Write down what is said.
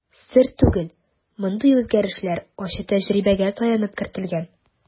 Сер түгел, мондый үзгәрешләр ачы тәҗрибәгә таянып кертелгән.